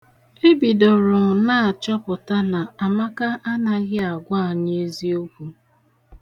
Ebidoro na-achọpụta na Amaka anaghị agwa anyị eziokwu.